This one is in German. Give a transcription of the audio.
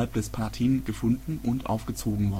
des Palatin gefunden und aufgezogen